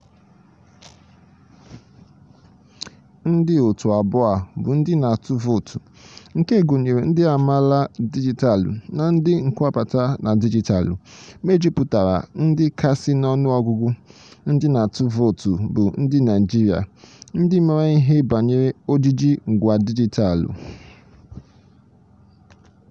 Ndị òtù abụọ a bụ ndị na-atụ vootu, nke gụnyere ndị amaala dijitalụ na ndị nkwabata na dijitalụ, mejupụtara ndị kasị n'ọnụọgụgụ ndị na-atụ vootu bụ ndị Naịjirịa ndị maara ihe banyere ojiji ngwa dijitalụ.